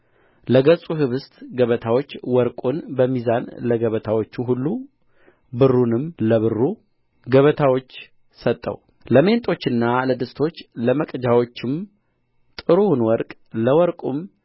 ለገጹ ኅብስት ገበታዎች ወርቁን በሚዛን ለገበታዎቹ ሁሉ ብሩንም ለብሩ ገበታዎች ሰጠው ለሜንጦቹና ለድስቶቹ ለመቅጃዎቹም ጥሩውን ወርቅ ለወርቁም